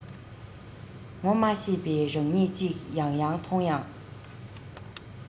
ངོ མི ཤེས པའི རང ཉིད ཅིག ཡང ཡང མཐོང ཡང